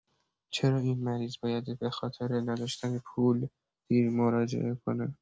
چرا این مریض باید به‌خاطر نداشتن پول، دیر مراجعه کنه.